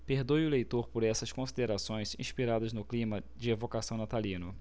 perdoe o leitor por essas considerações inspiradas no clima de evocação natalino